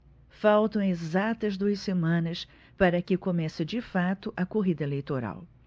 faltam exatas duas semanas para que comece de fato a corrida eleitoral